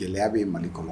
Jeliya b'i mani kɔ